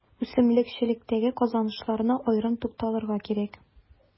Үсемлекчелектәге казанышларына аерым тукталырга кирәк.